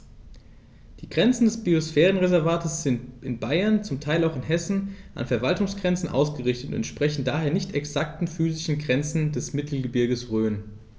Die Grenzen des Biosphärenreservates sind in Bayern, zum Teil auch in Hessen, an Verwaltungsgrenzen ausgerichtet und entsprechen daher nicht exakten physischen Grenzen des Mittelgebirges Rhön.